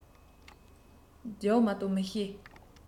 རྒྱུགས མ གཏོགས མི ཤེས